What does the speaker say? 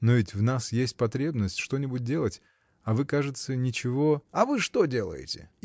— Но ведь в нас есть потребность что-нибудь делать: а вы, кажется, ничего. — А вы что делаете?